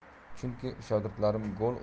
chunki shogirdlarim gol